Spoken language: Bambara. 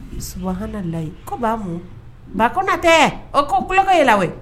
Sulayi ko' ba ko na tɛ o ko tulokɛ ye la